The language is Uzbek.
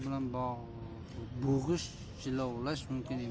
bilan bo'g'ish jilovlash mumkin emas